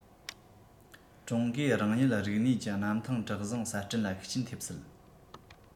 ཀྲུང གོས རང ཉིད རིག གནས ཀྱི གནམ ཐང གྲུ གཟིངས གསར སྐྲུན ལ ཤུགས རྐྱེན ཐེབས སྲིད